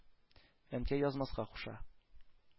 Әнкәй язмаска куша.